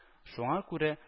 Шуңа күрә